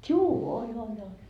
juu oli oli oli